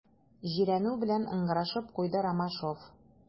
Җирәнү белән ыңгырашып куйды Ромашов.